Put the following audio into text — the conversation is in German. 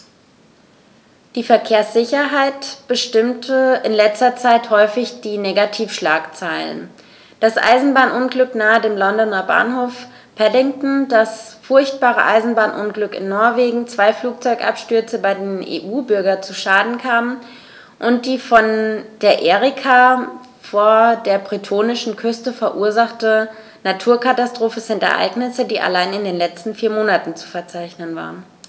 Die Verkehrssicherheit bestimmte in letzter Zeit häufig die Negativschlagzeilen: Das Eisenbahnunglück nahe dem Londoner Bahnhof Paddington, das furchtbare Eisenbahnunglück in Norwegen, zwei Flugzeugabstürze, bei denen EU-Bürger zu Schaden kamen, und die von der Erika vor der bretonischen Küste verursachte Naturkatastrophe sind Ereignisse, die allein in den letzten vier Monaten zu verzeichnen waren.